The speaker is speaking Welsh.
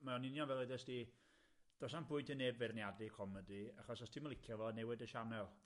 mae o'n union fel edes di do's na'm pwynt i neb feirniadu comedi achos os ti'm yn licio fo newid y sianel,